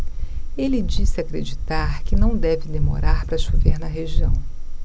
ele disse acreditar que não deve demorar para chover na região